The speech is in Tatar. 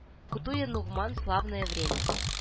Кутуя нугман славное время